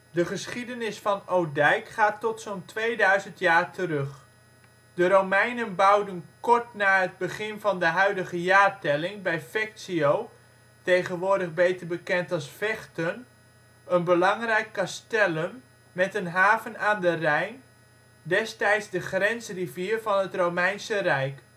De geschiedenis van Odijk gaat tot zo 'n 2000 jaar terug. De Romeinen bouwden kort na het begin van de huidige jaartelling bij Fectio, tegenwoordig beter bekend als Vechten, een belangrijk castellum (fort) met een haven aan de Rijn, destijds de grensrivier van het Romeinse Rijk